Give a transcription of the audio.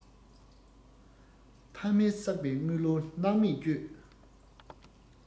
ཕ མས བསགས པའི དངུལ ལོར སྣང མེད སྤྱོད